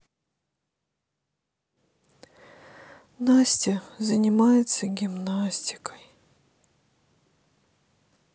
настя занимается гимнастикой